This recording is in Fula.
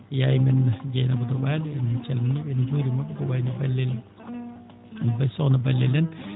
yaye men Deiynaba Doɓaaɗo en calminii ɓe en njuuriima ɓe e ko wayi no Balel sokhna Balel en